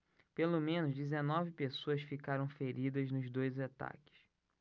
pelo menos dezenove pessoas ficaram feridas nos dois ataques